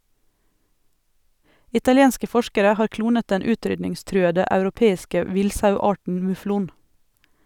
Italienske forskere har klonet den utrydningstruede europeiske villsauarten muflon.